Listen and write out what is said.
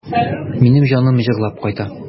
Минем җаным җырлап кайта.